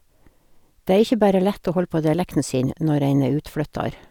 Det er ikke bare lett å holde på dialekten sin når en er utflytter.